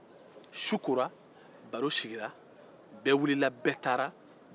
su kora baro sigira bɛɛ wulila ka taa